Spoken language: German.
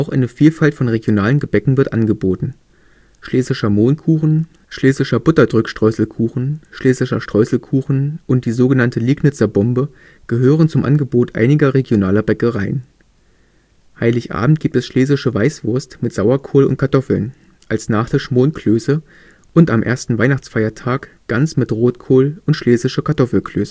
eine Vielfalt von regionalen Gebäcken wird angeboten. Schlesischer Mohnkuchen, Schlesischer Butterdrückstreuselkuchen, Schlesischer Streuselkuchen und die so genannte Liegnitzer Bombe gehören zum Angebot einiger regionaler Bäckereien. Heiligabend gibt es Schlesische Weißwurst mit Sauerkohl und Kartoffeln, als Nachtisch Mohnklöße und am ersten Weihnachtsfeiertag Gans mit Rotkohl und Schlesische Kartoffelklöße